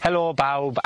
Helo, bawb.